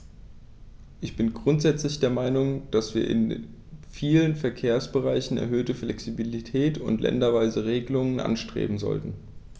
Ich bin grundsätzlich der Meinung, dass wir in vielen Verkehrsbereichen erhöhte Flexibilität und länderweise Regelungen anstreben sollten.